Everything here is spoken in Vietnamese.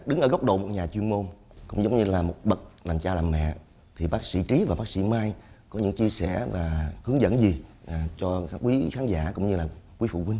đứng ở góc độ một nhà chuyên môn cũng giống như là một bậc làm cha làm mẹ thì bác sĩ trí và bác sĩ mai có những chia sẻ và hướng dẫn gì cho quý khán giả cũng như là quý phụ huynh